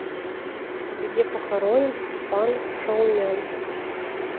где похоронен степан шаумян